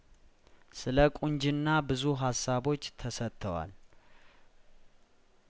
ስለቁንጅና ብዙ ሀሳቦች ተሰጥተዋል